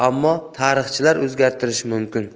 ammo tarixchilar o'zgartirishi mumkin